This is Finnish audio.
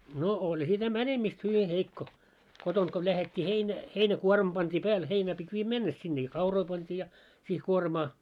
no oli sitä menemistä hyvin heikko kotoa kun lähdettiin - heinäkuorma pantiin päälle heinää piti viedä mennessä sinne ja kauroja pantiin ja siihen kuormaa